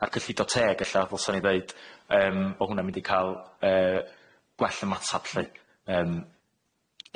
a cyllido teg ella ddylsan ni ddeud yym bo' hwnna'n mynd i ca'l yy gwell ymatab lly yym.